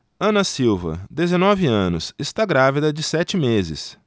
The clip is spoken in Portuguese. ana silva dezenove anos está grávida de sete meses